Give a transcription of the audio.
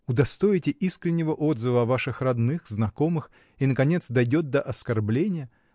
удостоите искреннего отзыва о ваших родных, знакомых и, наконец, дойдет до оскорбления.